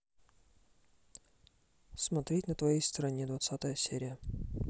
смотреть на твоей стороне двадцатая серия